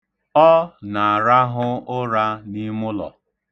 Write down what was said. Ọ na-arahụ ụra n'imụlọ.